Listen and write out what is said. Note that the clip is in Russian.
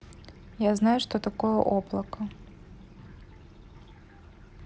я знаю что такое облако